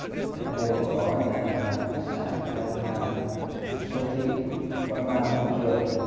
hiện nay gồm có nhà hàng khách sạn ngân hàng siêu thị quán ba vũ trường